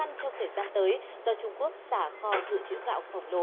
khăn trong thời gian tới do trung quốc xả kho dự trữ gạo khổng lồ